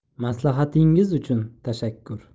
maslahatingiz uchun tashakkur